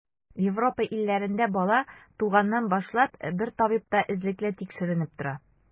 Европа илләрендә бала, туганнан башлап, бер табибта эзлекле тикшеренеп тора.